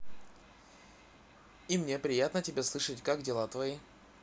и мне приятно тебя слышать как дела твои